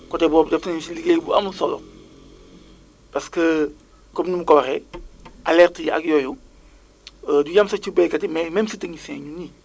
côté boobu def nañu si liggéey bu am solo parce que comme ni mu ko waxee alerte yi ak yooyu du yem sax ci béykat yi mais même si techniciens ñi